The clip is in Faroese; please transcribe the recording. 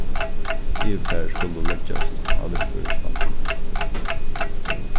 yvirklæðir skulu leggjast á viðførisbandinum